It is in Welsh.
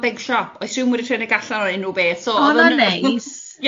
y big shop, oes rhywun wedi rhedeg allan o unrhyw beth, so o'dd... O neis